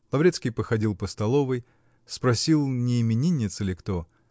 Лаврецкий походил по столовой, спросил -- не именинница ли кто?